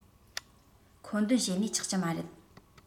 མཁོ འདོན བྱེད ནུས ཆགས ཀྱི མ རེད